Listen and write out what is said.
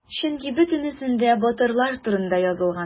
Чөнки бөтенесендә батырлар турында язылган.